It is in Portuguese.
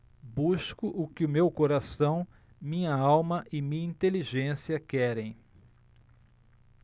busco o que meu coração minha alma e minha inteligência querem